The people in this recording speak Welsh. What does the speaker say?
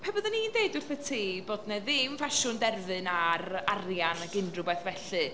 pe bydden i'n deud wrthot ti bod 'na ddim ffasiwn derfyn ar arian ac unrhyw beth felly.